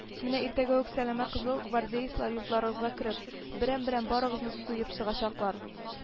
Менә иртәгә үк сәләмә кызыл гвардеецлар йортларыгызга кереп, берәм-берәм барыгызны суеп чыгачаклар